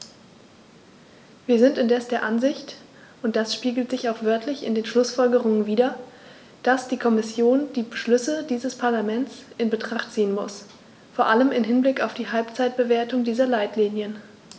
Wir sind indes der Ansicht und das spiegelt sich auch wörtlich in den Schlussfolgerungen wider, dass die Kommission die Beschlüsse dieses Parlaments in Betracht ziehen muss, vor allem im Hinblick auf die Halbzeitbewertung dieser Leitlinien.